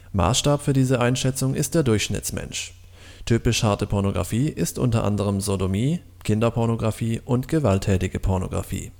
Maßstab für diese Einschätzung ist der Durchschnittsmensch. Typisch harte Pornografie ist unter anderem Sodomie, Kinderpornografie und gewalttätige Pornografie